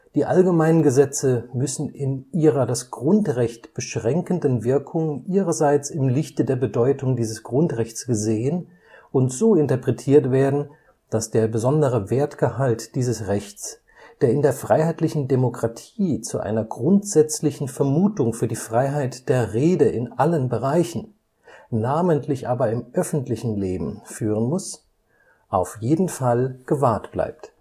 allgemeinen Gesetze müssen in ihrer das Grundrecht beschränkenden Wirkung ihrerseits im Lichte der Bedeutung dieses Grundrechts gesehen und so interpretiert werden, dass der besondere Wertgehalt dieses Rechts, der in der freiheitlichen Demokratie zu einer grundsätzlichen Vermutung für die Freiheit der Rede in allen Bereichen, namentlich aber im öffentlichen Leben, führen muss, auf jeden Fall gewahrt bleibt